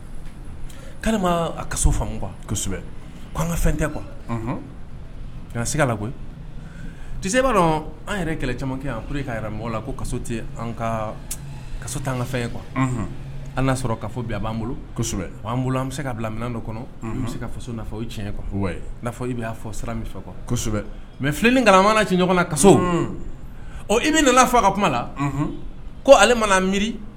'a an ka an ka fɛn an'a sɔrɔ ka a b'an boloan bolo an bɛ se ka bila dɔ kɔnɔ bɛ se ka o tiɲɛ i'a fɔ sira fɛ mɛ fiinmana ci ɲɔgɔn na ka i bɛ fɔ ka kuma ko ale miiri